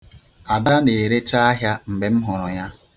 Ada na-erecha ahịa mgbe m hụrụ ya.